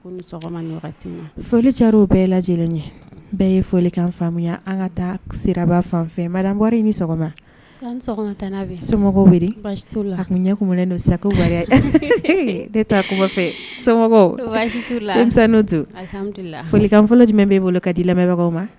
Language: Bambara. Ca bɛɛ lajɛlen ɲɛ bɛɛ ye folikan faamuyaya an ka taa siraba fan ni sɔgɔma a ɲɛ sa ne kɔfɛo folikan fɔlɔ jumɛn bɛ bolo ka di lamɛnbagaw ma